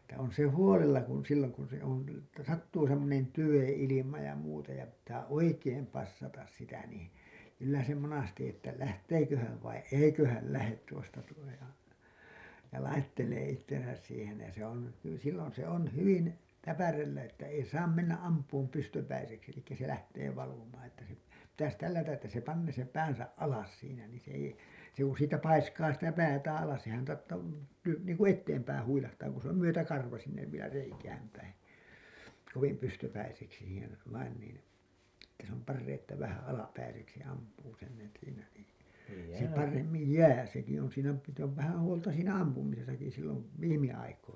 että on se huolella kun silloin kun se on - että sattuu semmoinen tyven ilma ja muuta ja pitää oikein passata sitä niin kyllä se monesti että lähteekö hän vai eikö hän lähde tuosta tuo jo ja laittelee itsensä siihen ja se on - silloin se on hyvin täpärällä että ei saa mennä ampumaan pystypäiseksi eli se lähtee valumaan että se pitäisi tällätä että se panee sen päänsä alas siinä niin se ei se kun siitä paiskaa sitä päätään alas sehän lyö niin kun eteenpäin huilahtaa kun se on myötäkarvaan sinne vielä reikään päin kovin pystypäiseksi siihen vain niin että se on paras että vähän alapäiseksi ampuu sen siinä niin se paremmin jää sekin on siinä sitten on vähän huolta siinä ampumisessakin silloin viime aikoina